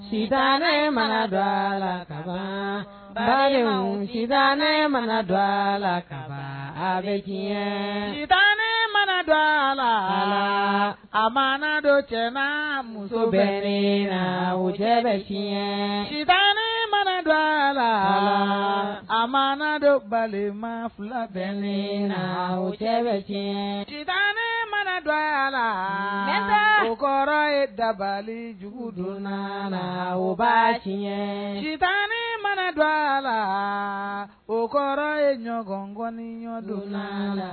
Tan ne mana dɔ a la ba ne mana dɔ a la kalan bɛtan ne mana dɔ a la a ma dɔ jama muso bɛ la wo cɛ bɛɲɛ ne mana dɔ a la a ma dɔbali ma fila bɛ ne la wo cɛ bɛtan ne mana dɔ a la u kɔrɔ ye dabalijugu don la o batan ne mana don a la o kɔrɔ ye ɲɔgɔnkɔni ɲɔgɔndon la